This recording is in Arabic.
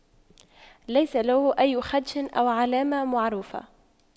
ليس له أي خدش أو علامة معروفة